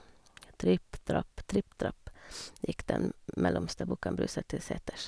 Tripp trapp, tripp trapp, gikk den mellomste bukken Bruse til seters.